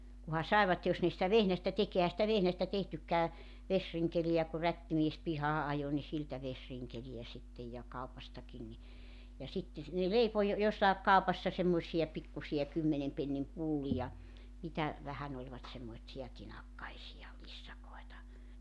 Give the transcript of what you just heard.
kunhan saivat jos ne sitä vehnästä teki eihän sitä vehnästä tehtykään vesirinkeleitä kun rättimies pihaan ajoi niin siltä vesirinkeleitä sitten ja kaupastakin niin ja sitten ne leipoi - jossakin kaupassa semmoisia pikkuisia kymmenen pennin pullia mitä vähän olivat semmoisia tinakkaisia lissakoita